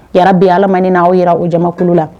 Jara bɛ ala ma n' aw yɛrɛ o jamakulu la